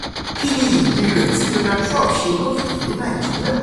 Kíni ìdí irẹ̀ tí Donald Trump ṣe l'ókìkí ní Nàìjíríà?